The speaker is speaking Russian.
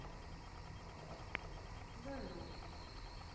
да ну